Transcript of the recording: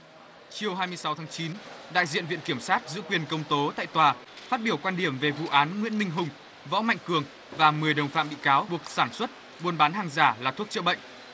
chiều hai mươi sáu tháng chín đại diện viện kiểm sát giữ quyền công tố tại tòa phát biểu quan điểm về vụ án nguyễn minh hùng võ mạnh cường và mười đồng phạm bị cáo buộc sản xuất buôn bán hàng giả là thuốc chữa bệnh